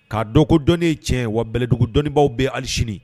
K'a dɔn ko dɔnni ye tiɲɛ ye wa Bɛlɛdugu dɔnnibaw bɛ yen hali sini